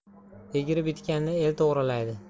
egri bitganni el to'g'rilaydi